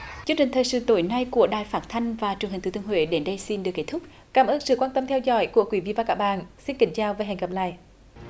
chương trình thời sự tối nay của đài phát thanh và truyền hình thừa thiên huế đến đây xin được kết thúc cám ơn sự quan tâm theo dõi của quý vị và các bạn xin kính chào và hẹn gặp lại